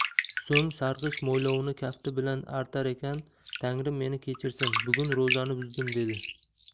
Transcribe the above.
so'ng sarg'ish mo'ylovini kafti bilan artar ekan tangrim meni kechirsin bugun ro'zani buzdim dedi